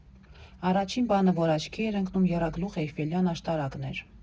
Առաջին բանը, որ աչքի էր ընկնում, եռագլուխ Էյֆելյան աշտարակն էր։